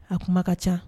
A kuma ka caa!